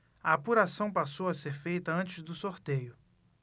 a apuração passou a ser feita antes do sorteio